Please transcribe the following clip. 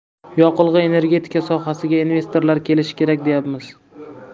yoqilg'i energetika sohasiga investorlar kelishi kerak deyapmiz